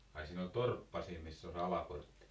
ai siinä oli torppa siinä missä oli se Alaportti